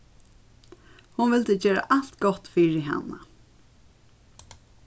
hon vildi gera alt gott fyri hana